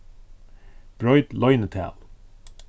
broyt loynital